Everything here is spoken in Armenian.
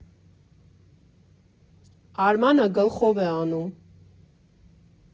Արմանը գլխով է անում։